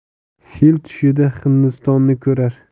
fil tushida hindistonni ko'rar